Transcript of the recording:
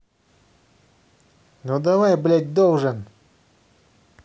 ну давай блядь должен